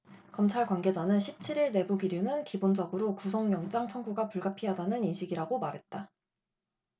검찰 관계자는 십 칠 일 내부 기류는 기본적으로 구속영장 청구가 불가피하다는 인식이라고 말했다